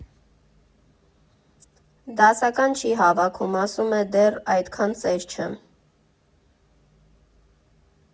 Դասական չի հավաքում, ասում է՝ «դեռ այդքան ծեր չեմ»։